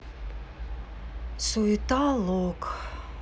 суета лог